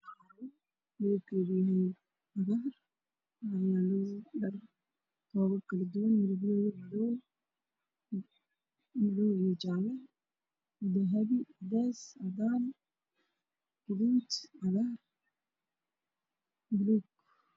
Waa meel carwo ah waxaa yaalo dhar naageed